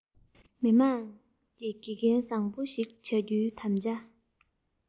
མི དམངས ཀྱི དགེ རྒན བཟང པོ ཞིག བྱ རྒྱུའི དམ བཅའ